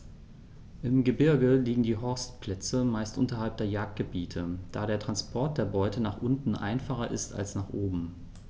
Im Gebirge liegen die Horstplätze meist unterhalb der Jagdgebiete, da der Transport der Beute nach unten einfacher ist als nach oben.